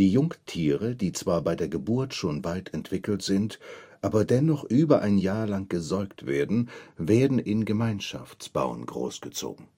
Jungtiere, die zwar bei der Geburt schon weit entwickelt sind, aber dennoch über ein Jahr lang gesäugt werden, werden in Gemeinschaftsbauen großgezogen